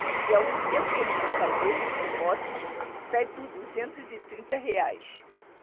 já o intercomunicador entre motos sai por duzentos e trinta reais